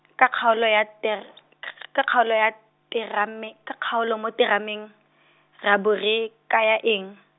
ka kgaolo ya ter-, ka kgaolo ya terame-, ka kgaolo mo terameng , ra bo re, kaya eng?